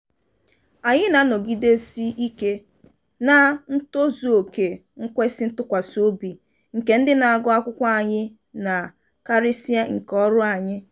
"Anyị na-anọgidesi ike na ntozuoke nkwesị ntụkwasị obi nke ndị na-agụ akwụkwọ anyị na karịsịa nke ọrụ anyị.